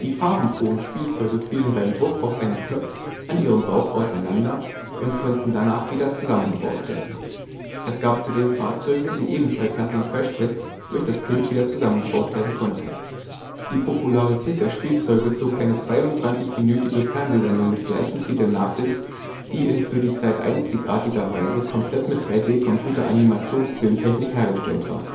farbenfrohen Spielzeuge fielen beim Druck auf einen Knopf an ihrem Bauch auseinander, und konnten danach wieder zusammengebaut werden. Es gab zudem Fahrzeuge, die ebenfalls nach dem „ Crashtest “durch das Kind wieder zusammengebaut werden konnten. Die Popularität der Spielzeuge zog eine 22-minütige Fernsehsendung mit gleichem Titel nach sich, die in für die Zeit einzigartiger Weise komplett mit 3D-Computeranimations-Filmtechnik hergestellt war